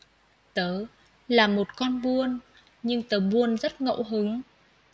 tớ là một con buôn nhưng tớ buôn rất ngẫu hứng